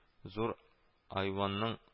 Зур айванның